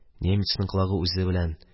Немецның колагы үзе белән